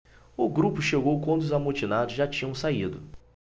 o grupo chegou quando os amotinados já tinham saído